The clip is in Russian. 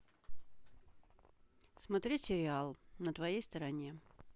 смотреть сериал на твоей стороне